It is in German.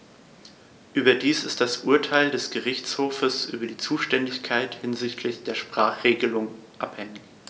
Überdies ist das Urteil des Gerichtshofes über die Zuständigkeit hinsichtlich der Sprachenregelung anhängig.